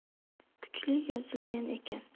kuchli yozilgan ekan